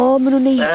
O ma' n'w'n neidio.